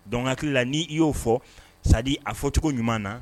Dɔnkiliki la n' i y'o fɔ sa a fɔcogo ɲuman na